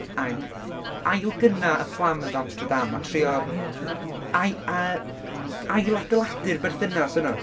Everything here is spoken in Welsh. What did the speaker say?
ac ailgynna y fflam efo Amsterdam a trio... Nawn ni hynna 'ta... ai- a, ail-adeiladu'r berthynas yna.